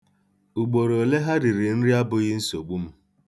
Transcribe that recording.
Ugboroole ha riri nri abụghị nsogbu m.